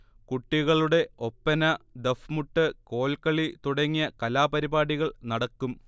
കുട്ടികളുടെ ഒപ്പന, ദഫ്മുട്ട്, കോൽകളി തുടങ്ങിയ കലാപരിപാടികൾ നടക്കും